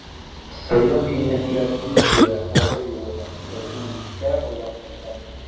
Сыек иннекләр тиз кибә, авыр юыла, ләкин биттә озак саклана.